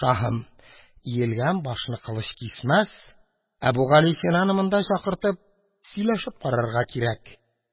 Шаһым, иелгән башны кылыч кисмәс, Әбүгалисинаны монда чакыртып, сөйләшеп карарга кирәк.